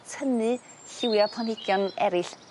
tynnu llywia' planhigion eryll